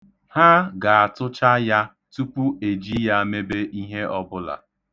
Ha ga-atụcha ya tupu e ji ya mebe ihe ọbụla.